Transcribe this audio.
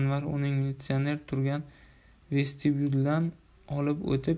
anvar uning militsioner turgan vestibyuldan olib o'tib